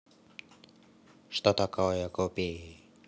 что такое купи